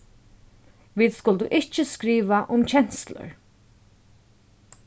vit skuldu ikki skriva um kenslur